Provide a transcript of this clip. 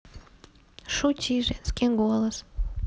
шути женский голос